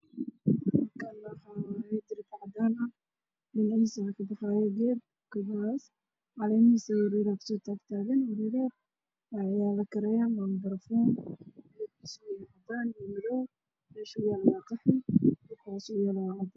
Waa caagad waxay saarantahay geed